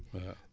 waaw